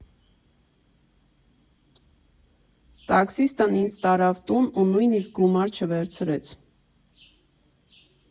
Տաքսիստն ինձ տարավ տուն ու նույնիսկ գումար չվերցրեց։